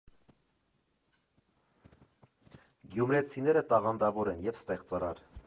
Գյումրեցիները տաղանդավոր են և ստեղծարար։